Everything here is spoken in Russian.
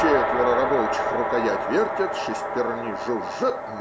четверо рабочих рукоять вертят шестерни жужжат